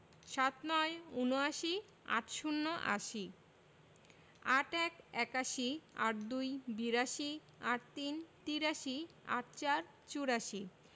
৭৯ – উনআশি ৮০ - আশি ৮১ – একাশি ৮২ – বিরাশি ৮৩ – তিরাশি ৮৪ – চুরাশি